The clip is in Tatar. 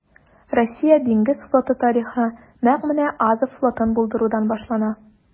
Россия диңгез флоты тарихы нәкъ менә Азов флотын булдырудан башлана.